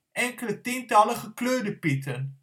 enkele tientallen ' Gekleurde Pieten